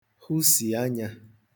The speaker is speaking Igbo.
hụsì anyā